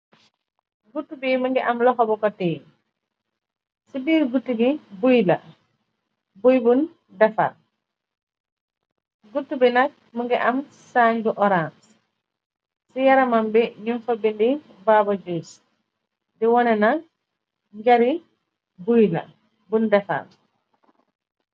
Guut bi më ngi am loxabu koti, ci biir guut gi bui la bui bun defal. Guut bi nak mungi am saañ bu oranse, ci yaramam bi ñum fa bindi baaba jus, di wone na njari bui la bun defar.